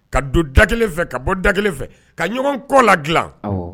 Ka don da kelen fɛ, ka bɔ da kelen fɛ, ka ɲɔgɔn kɔ la dilan